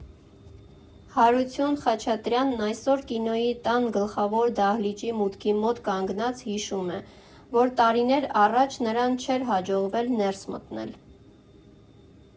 Հարություն Խաչատրյանն այսօր Կինոյի տան գլխավոր դահլիճի մուտքի մոտ կանգնած հիշում է, որ տարիներ առաջ նրան չէր հաջողվել ներս մտնել.